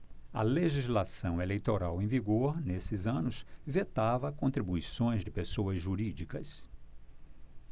a legislação eleitoral em vigor nesses anos vetava contribuições de pessoas jurídicas